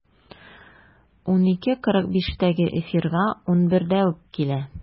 12.45-тәге эфирга 11-дә үк килә.